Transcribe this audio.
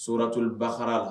Suratuli bakara